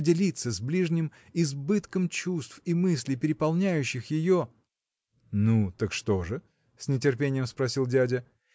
поделиться с ближними избытком чувств и мыслей переполняющих ее. – Ну так что же? – с нетерпением спросил дядя.